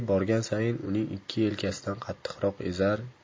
borgan sayin uning ikki yelkasidan qattiqroq ezar